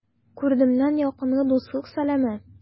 Күрдемнән ялкынлы дуслык сәламе!